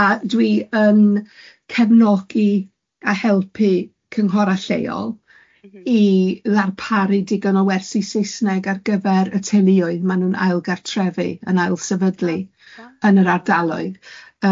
A dwi yn cefnogi a helpu cynghorau lleol i ddarparu digon o wersi Saesneg ar gyfer y teuluoedd mae'n nhw'n ail gartrefu, yn ail sefydlu yn yr ardaloedd.